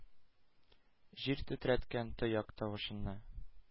Җир тетрәткән тояк тавышына.